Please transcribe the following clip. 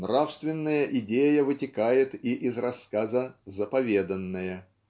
- Нравственная идея вытекает и из рассказа "Заповеданное",